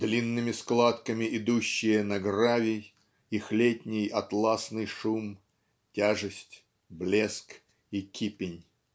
длинными складками идущие на гравий их летний атласный шум тяжесть блеск и кипень".